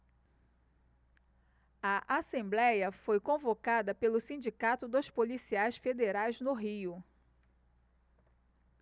a assembléia foi convocada pelo sindicato dos policiais federais no rio